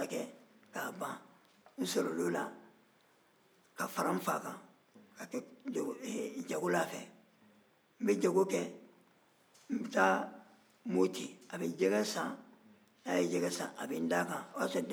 n sɔrɔl'o la ka fara n fa kan ka kɛ jago jago l'a fɛ n bɛ jago kɛ n bɛ taa moti a bɛ jɛgɛ san n'a ye jɛgɛ san a bɛ nd'a kan o y'a sɔrɔ denmisɛnya bɛ n'na